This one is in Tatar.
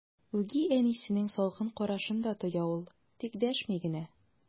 Үги әнисенең салкын карашын да тоя ул, тик дәшми генә.